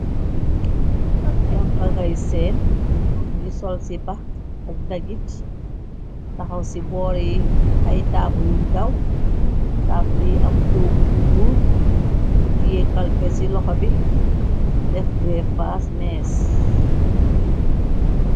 Janqangay seen ngi sol sipax ak dagip taxaw ci boori ay taabul yu ndaw. Taabul yi am toogu bu ñuul mu tiye kalpe ci loxa bi def greffaas mees.